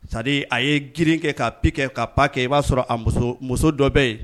Sa a yeirin kɛ ka kɛ ka kɛ i b'a sɔrɔ a muso muso dɔ bɛ ye